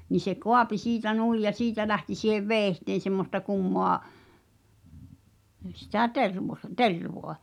niin se kaapi siitä niin ja siitä lähti siihen veitseen semmoista kummaa sitä tervaa tervaa